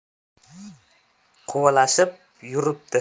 quvalashib yuribdi